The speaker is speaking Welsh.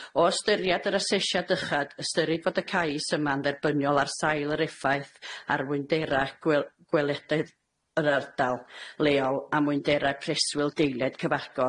O ystyriad yr asesiad ychod, ystyrid fod y cais yma'n dderbyniol ar sail yr effaith ar fwyndera' gwel- gwelededd yr ardal leol a mwyndera' preswyl deilied cyfagos,